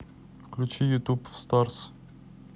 включи ютуб в старс